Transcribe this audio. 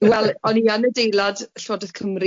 Wel o'n i yn adeilad Llywodraeth Cymru,